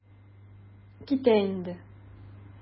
Китә инде.